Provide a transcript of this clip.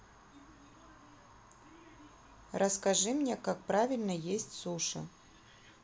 расскажи мне как правильно есть суши